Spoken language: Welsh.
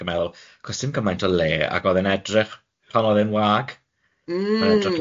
ac yn meddwl, do's dim gymaint o le ag o'dd e'n edrych pan oedd e'n wag.